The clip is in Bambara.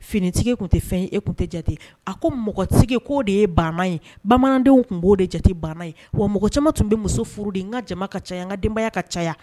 Finitigi tun tɛ fɛn e tun tɛ jate a ko mɔgɔtigi k'o de ye ban ye bamanandenw tun b'o de jate ban ye wa mɔgɔ caman tun bɛ muso furu de n ka jama ka caya n ka denbaya ka caya